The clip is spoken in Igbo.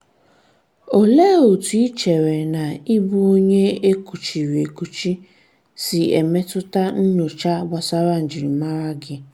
LM: Olee otú i chere na ịbụ onye e kuchiri ekuchi si emetụta nchọcha gbasara njirimara gị?